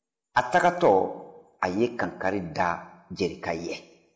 a tagatɔ a ye kankari da jerika ye